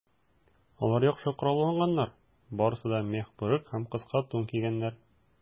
Алар яхшы коралланганнар, барысы да мех бүрек һәм кыска тун кигәннәр.